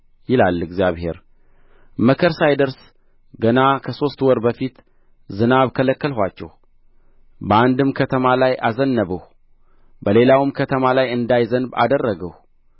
ይላል እግዚአብሔር መከር ሳይደርስ ገና ከሦስት ወር በፊት ዝናብ ከለከልኋችሁ በአንድም ከተማ ላይ አዘነብሁ በሌላውም ከተማ ላይ እንዳይዘንብ አደረግሁ